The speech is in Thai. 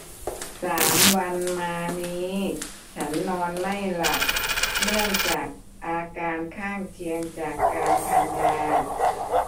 สามวันมานี้ฉันนอนไม่หลับเนื่องจากอาการข้างเคียงจากการทานยา